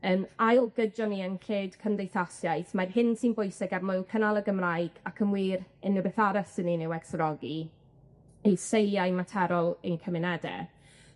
yn ail-gydio ni yn cred cymdeithasiaeth, mae'r hyn sy'n bwysig er mwyn cynnal y Gymraeg, ac yn wir, unryw beth arall 'dyn ni'n ei werthfawrogi, yw seiliau materol ein cymunede.